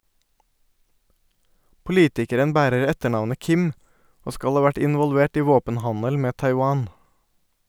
Politikeren bærer etternavnet Kim, og skal ha vært involvert i våpenhandel med Taiwan.